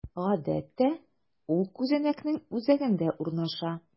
Гадәттә, ул күзәнәкнең үзәгендә урнаша.